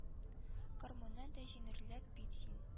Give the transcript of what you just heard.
Гармуннан да җиңелрәк бит син